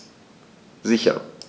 Sicher.